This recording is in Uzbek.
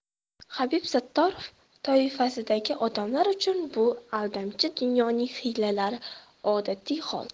habib sattorov toifasidagi odamlar uchun bu aldamchi dunyoning hiylalari odatiy hol